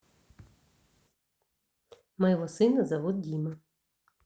моего сына зовут дима